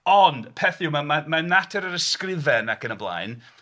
Ond peth yw m- m- mae... mae natur yr ysgrifen ac yn y blaen...